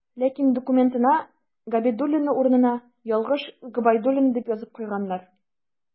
Ләкин документына «Габидуллина» урынына ялгыш «Гобәйдуллина» дип язып куйганнар.